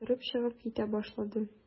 Торып чыгып китә башлады.